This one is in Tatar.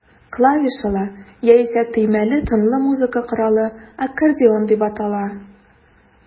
Клавишалы, яисә төймәле тынлы музыка коралы аккордеон дип атала.